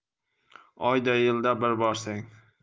oyda yilda bir borsang